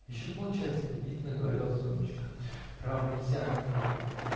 -- Еще полчасика, -- убедительно говорила Сонечка. -- Право, нельзя, мой ангел.